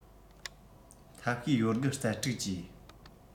ཐབས ཤེས ཡོད རྒུ རྩལ སྤྲུགས ཀྱིས